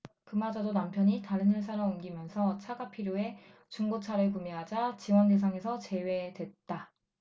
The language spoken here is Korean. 그마저도 남편이 다른 회사로 옮기면서 차가 필요해 중고차를 구매하자 지원대상에서 제외됐다